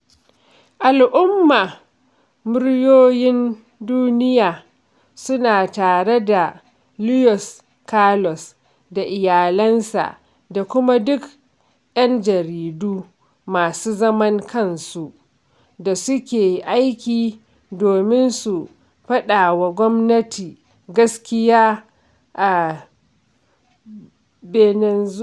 Al'ummar Muryoyin Duniya suna tare da Luis Carlos da iyalansa da kuma duk 'yan jaridu masu zaman kansu da suke aiki domin su faɗawa gwamnati gaskiya a ɓenezuwela.